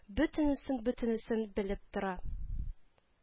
— бөтенесен, бөтенесен белеп тора